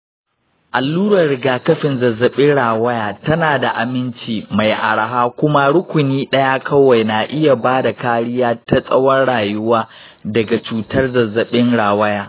allurar rigakafin zazzabin rawaya tana da aminci, mai araha, kuma rukuni ɗaya kawai na iya ba da kariya ta tsawon rayuwa daga cutar zazzabin rawaya.